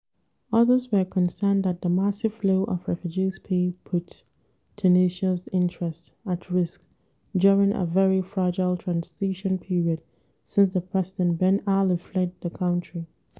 Others, were concerned that the massive flow of refugees pay put Tunisia's interests at risk during a very fragile transition period since the President Ben Ali fled the country.